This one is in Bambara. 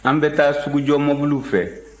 an bɛ taa sugujɔmobiliw fɛ